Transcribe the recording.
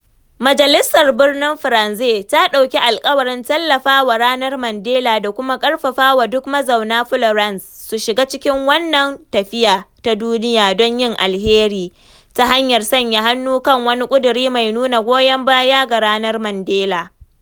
Majalisar Birnin Firenze ta ɗauki alƙawarin tallafawa Ranar Mandela da kuma ƙarfafawa duk mazauna Florence su shiga cikin wannan tafiya ta duniya don yin alheri, ta hanyar sanya hannu kan wani ƙuduri mai nuna goyon baya ga Ranar Mandela.